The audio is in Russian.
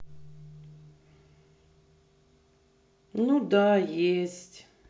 ну да есть